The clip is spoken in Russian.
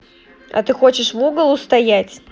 а ты хочешь в угол устоять